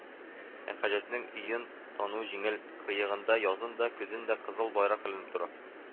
Ә Хаҗәтнең өен тануы җиңел — кыегында язын да, көзен дә кызыл байрак эленеп тора